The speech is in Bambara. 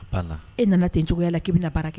A la e nana tɛ cogoyaya k'i bɛna na baara kɛ